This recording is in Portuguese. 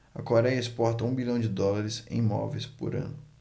a coréia exporta um bilhão de dólares em móveis por ano